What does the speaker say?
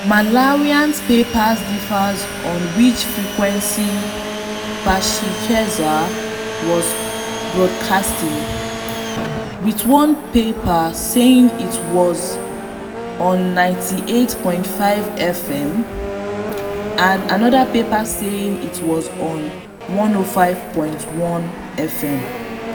Malawian papers differ on which frequency Pachikweza was broadcasting, with one paper saying it was on 98.5FM, and another paper saying it was on 105.1FM.